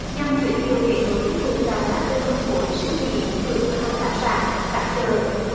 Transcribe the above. nhằm giới thiệu kết nối tiêu thụ tại các kênh phân phối siêu thị chuỗi cửa hàng đặc sản các chợ